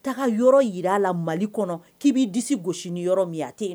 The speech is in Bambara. Taara yɔrɔ jira a la mali kɔnɔ k'i'i di gosisi ni yɔrɔ minyatɛ